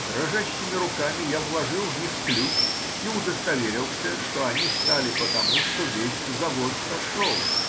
Дрожащими руками я вложил в них ключ и удостоверился, что они стали потому, что весь завод сошел